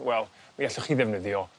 wel mi allwch chi ddefnyddio